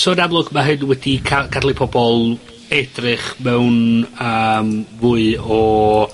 so yn amlwg ma' hyn wedi ca- cadel i pobol edrych mewn yym fwy o...